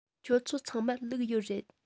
ཁྱོད ཚོ ཚང མར ལུག ཡོད རེད